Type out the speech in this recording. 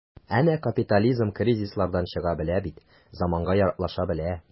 Әнә капитализм кризислардан чыга белә бит, заманга яраклаша белә.